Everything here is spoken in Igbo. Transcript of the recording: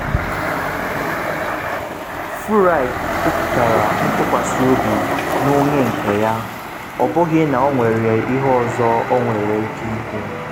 Furyk kwuputara ntụkwasị obi na onye nke ya, ọ bụghị na ọ nwere ihe ọzọ ọ nwere ike ikwu.